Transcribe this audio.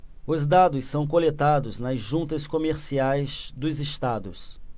os dados são coletados nas juntas comerciais dos estados